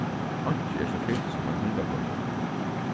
einki er so fitt sum ein hundahvølpur